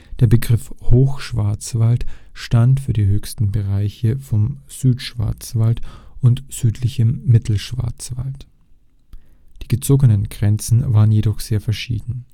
Der Begriff Hochschwarzwald stand für die höchsten Bereiche von Südschwarzwald und südlichem Mittelschwarzwald. Die gezogenen Grenzen waren jedoch sehr verschieden